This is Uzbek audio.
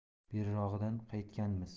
berirog'idan qaytkanmiz